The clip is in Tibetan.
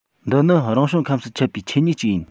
འདི ནི རང བྱུང ཁམས སུ ཁྱབ པའི ཆོས ཉིད ཅིག ཡིན